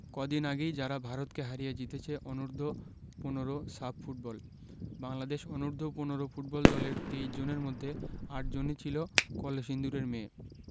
কদিন আগেই যারা ভারতকে হারিয়ে জিতেছে অনূর্ধ্ব ১৫ সাফ ফুটবল বাংলাদেশ অনূর্ধ্ব ১৫ ফুটবল দলের ২৩ জনের মধ্যে ৮ জনই ছিল কলসিন্দুরের মেয়ে